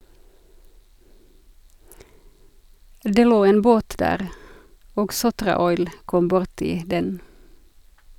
- Det lå en båt der , og "Sotraoil" kom borti den.